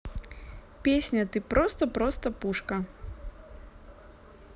песня ты просто просто пушка